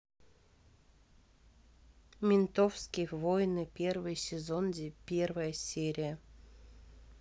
ментовские войны первый сезон первая серия